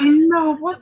I know! What...?